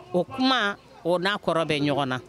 O kuma o n'a kɔrɔ bɛ ɲɔgɔn na